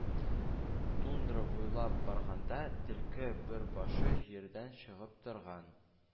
Тундра буйлап барганда, Төлке бер башы җирдән чыгып торган